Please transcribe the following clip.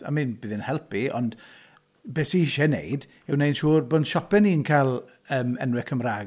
I mean, bydd e'n helpu ond be sy isie wneud, yw wneud yn siŵr bo'n siopau ni yn cael yym enwau Cymraeg.